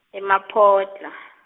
eMaphodlha.